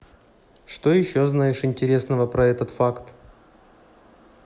что еще знаешь интересного про этот факт